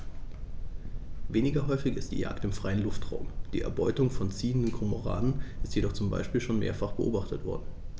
Weniger häufig ist die Jagd im freien Luftraum; die Erbeutung von ziehenden Kormoranen ist jedoch zum Beispiel schon mehrfach beobachtet worden.